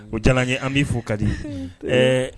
O diyara an ye an b'i fo Kadi, ɛɛ